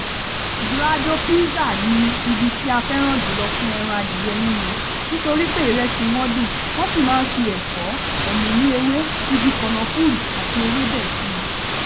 Brador Pizza ni ibi tí a fẹ́ràn júlọ fún ẹran adìẹ yíyan nítorí pé ìrẹsì wọn dùn, wọ́n sì máa ń fi ẹ̀fọ́, ọ̀múnú ewé igi kànáńfùrù àti ewébẹ̀ síi